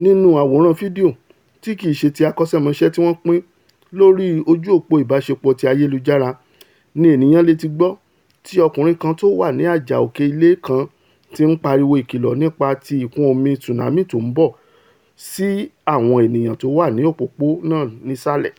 Nínú àwòrán fídíò tí kìí ṣe ti akọṣẹ́mọṣẹ́ tíwọn pín lórì ojú-òpò ìbáṣepọ̀ ti ayélujára ni ènìyàn ti leè gbọ́ ti ọkùnrin kan tówà ní àjà òkè ilé kan ti ń pariwo ìkìlọ̀ nípa ti ìkún-omi tsunami tó ńbọ̀ sí àwọn ènìyàn tówà ní òpópóna nísàlẹ̀.